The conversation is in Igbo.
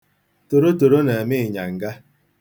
Torotoro na-eme ịnyanga.